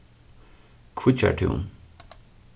kvíggjartún